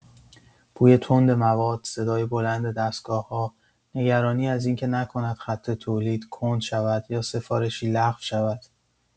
بوی تند مواد، صدای بلند دستگاه‌ها، نگرانی از این که نکند خط تولید کند شود یا سفارشی لغو شود.